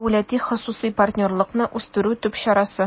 «дәүләти-хосусый партнерлыкны үстерү» төп чарасы